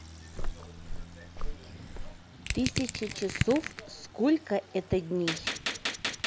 тысяча часов сколько это дней